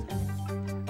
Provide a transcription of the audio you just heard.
San